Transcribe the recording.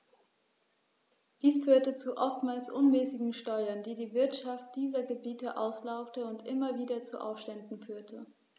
Dies führte zu oftmals unmäßigen Steuern, die die Wirtschaft dieser Gebiete auslaugte und immer wieder zu Aufständen führte.